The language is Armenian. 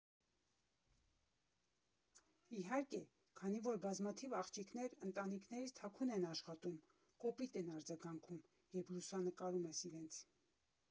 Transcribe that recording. Իհարկե, քանի որ բազմաթիվ աղջիկներ ընտանիքներից թաքուն են աշխատում՝ կոպիտ են արձագանքում, երբ լուսանկարում ես իրենց։